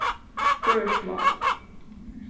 føroyskt mál